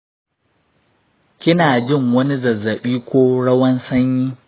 kina jin wani zazzaɓi ko rawan sanyi?